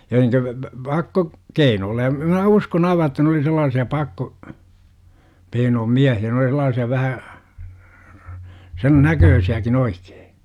ja niin ---- pakkokeinolla ja - minä uskon aivan että ne oli sellaisia - pakkokeinojen miehiä ne oli sellaisia vähän sen näköisiäkin oikein